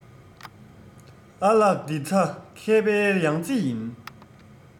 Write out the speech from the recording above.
ཨ ལགས ངྷི ཚ མཁས པའི ཡང རྩེ ཡིན